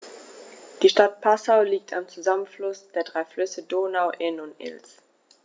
Die Stadt Passau liegt am Zusammenfluss der drei Flüsse Donau, Inn und Ilz.